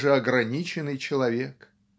даже ограниченный человек.